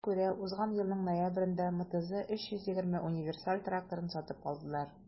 Шуңа күрә узган елның ноябрендә МТЗ 320 универсаль тракторын сатып алдылар.